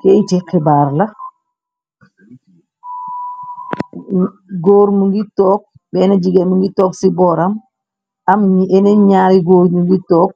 Keey ti xibaar la góor mu ngi took benne jigén mi ngi took ci booram am ñi yeneen ñaari góor ñu ngi took